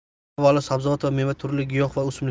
bu esa eng avvalo sabzavot meva turli giyoh va o'simliklardir